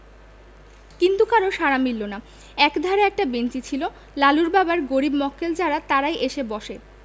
কিন্তু কারও সাড়া মিলল না একধারে একটা বেঞ্চি ছিল লালুর বাবার গরীব মক্কেল যারা তাহারই এসে বসে